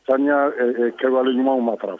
Saniya kɛwa ɲumanumaw ma fara